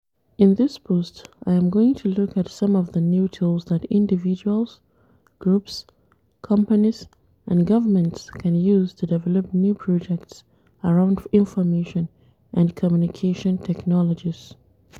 In this post, I am going to look at some of the new tools that individuals, groups, companies and governments can use to develop new projects around information and communication technologies.